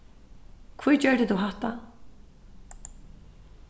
hví gjørdi tú hatta